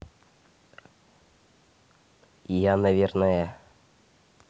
я наверное